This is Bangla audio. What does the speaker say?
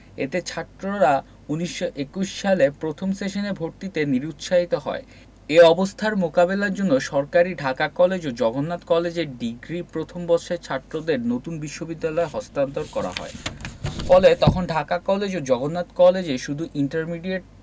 এতে ছাত্ররা ১৯২১ সালে প্রথম সেশনে ভর্তিতে নিরুৎসাহিত হয় এ অবস্থার মোকাবেলার জন্য সরকারি ঢাকা কলেজ ও জগন্নাথ কলেজের ডিগ্রি প্রথম বর্ষের ছাত্রদের নতুন বিশ্ববিদ্যালয়ে স্থানান্তর করা হয় ফলে তখন ঢাকা কলেজ ও জগন্নাথ কলেজে শুধু ইন্টারমিডিয়েট